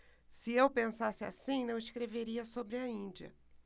se eu pensasse assim não escreveria sobre a índia